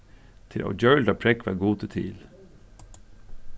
tað er ógjørligt at prógva at gud er til